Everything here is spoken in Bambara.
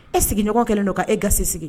E sigiɲɔgɔn kɛlen don k'a e gasi sigi.